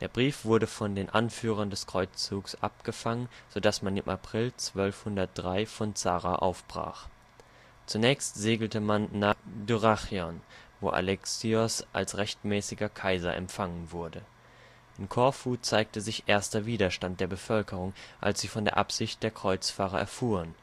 Brief wurde von den Anführern des Kreuzzuges abgefangen, so dass man im April 1203 von Zara aufbrach. Zunächst segelte man nach Dyrrhachion, wo Alexios als rechtmäßiger Kaiser empfangen wurde. In Korfu zeigte sich erster Widerstand der Bevölkerung, als sie von der Absicht der Kreuzfahrer erfuhren